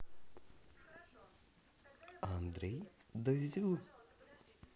андрей дзю